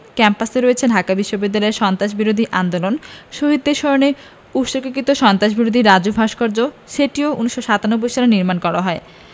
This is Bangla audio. ক্যাম্পাসে রয়েছে ঢাকা বিশ্ববিদ্যালয়ের সন্তাসবিরোধী আন্দোলনে শহীদদের স্মরণে উৎসর্গকৃত সন্তাসবিরোধী রাজু ভাস্কর্য যেটি১৯৯৭ সালে নির্মাণ করা হয়